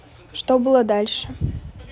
что было дальше